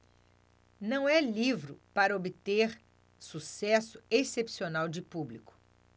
não é livro para obter sucesso excepcional de público